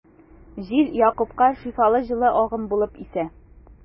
Җил Якупка шифалы җылы агым булып исә.